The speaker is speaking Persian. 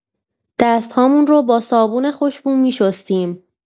دست‌هامون رو با صابون خوشبو می‌شستیم.